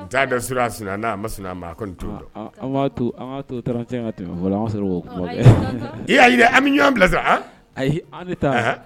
' da a n' ma ma i'a jira an bɛ ɲɔ bila sa ayi an